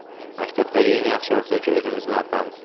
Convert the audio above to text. maktabdagi eng yaxshi o'qi tuvchi o'zimizni opamiz